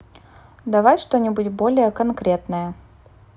давай что нибудь более конкретное